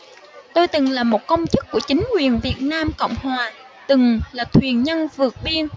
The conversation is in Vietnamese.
tôi từng là một công chức của chính quyền việt nam cộng hòa từng là thuyền nhân vượt biên